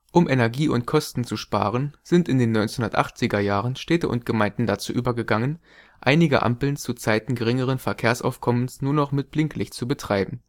Um Energie und Kosten zu sparen, sind in den 1980er Jahren Städte und Gemeinden dazu übergegangen, einige Ampeln zu Zeiten geringeren Verkehrsaufkommens nur noch mit Blinklicht zu betreiben